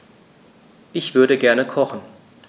Ich würde gerne kochen.